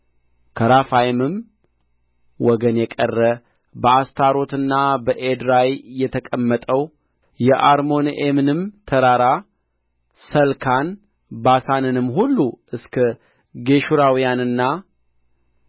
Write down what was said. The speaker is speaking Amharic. ከራፋይምም ወገን የቀረ በአስታሮትና በኤድራይ የተቀመጠው የአርሞንዔምንም ተራራ ሰልካን ባሳንንም ሁሉ እስከ ጌሹራውያንና